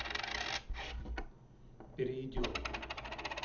перейдем